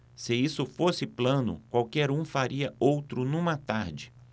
se isso fosse plano qualquer um faria outro numa tarde